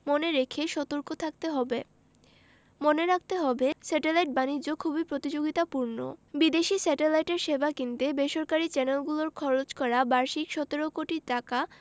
মনে রেখে সতর্ক থাকতে হবে মনে রাখতে হবে স্যাটেলাইট বাণিজ্য খুবই প্রতিযোগিতাপূর্ণ বিদেশি স্যাটেলাইটের সেবা কিনতে বেসরকারি চ্যানেলগুলোর খরচ করা বার্ষিক ১৭ কোটি টাকা